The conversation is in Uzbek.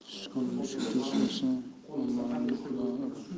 sichqon mushuk do'st bo'lsa omborni xudo urar